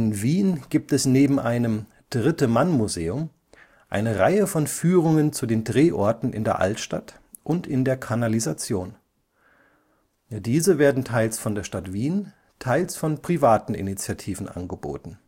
Wien gibt es neben einem „ Dritte Mann Museum “eine Reihe von Führungen zu den Drehorten in der Altstadt und in der Kanalisation. Diese werden teils von der Stadt Wien, teils von privaten Initiativen angeboten